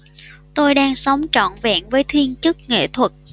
tôi đang sống trọn vẹn với thiên chức nghệ thuật